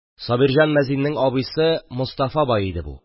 Сабирҗан мәзиннең абыйсы Мостафа бай иде бу.